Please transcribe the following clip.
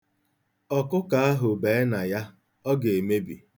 Ọkụkọ ahụ bee na ya, ọ ga-emebi.